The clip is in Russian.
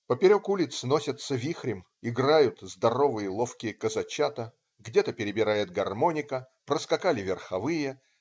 Поперек улиц носятся вихрем - играют здоровые, ловкие казачата. Где-то перебирает гармоника. Проскакали верховые.